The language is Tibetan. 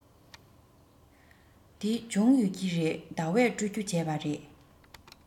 དེ བྱུང ཡོད ཀྱི རེད ཟླ བས སྤྲོད རྒྱུ བྱས པ རེད